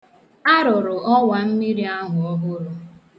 A rụrụ ọwammiri ahụ ọhụrụ.